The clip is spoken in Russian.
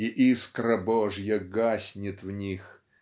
и искра Божья гаснет в них